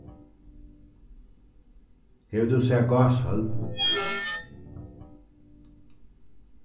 hevur tú sæð gáshólm